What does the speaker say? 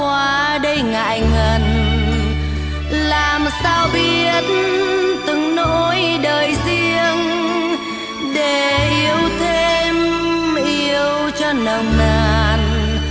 qua đây ngại ngần làm sao biết từng nỗi đời riêng để yêu thêm yêu cho nồng nàn